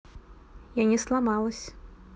я не сломалась